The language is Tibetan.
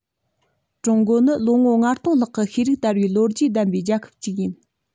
ཀྲུང གོ ནི ལོ ངོ ལྔ སྟོང ལྷག གི ཤེས རིག དར བའི ལོ རྒྱུས ལྡན པའི རྒྱལ ཁབ ཅིག ཡིན